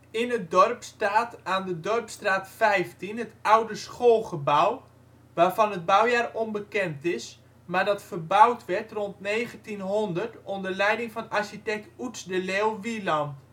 In het dorp staat aan de Dorpstraat 15 het oude schoolgebouw, waarvan het bouwjaar onbekend is, maar dat verbouwd werd (extra klaslokaal) rond 1900 onder leiding van architect Oeds de Leeuw Wieland